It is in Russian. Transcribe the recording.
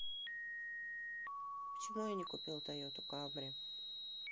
почему я не купил тойоту камри